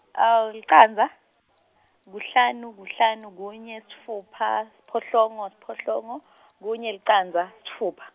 licandza, kuhlanu, kuhlanu, kunye, sitfupha, siphohlongo, siphohlongo , kunye, licandza, sitfupha.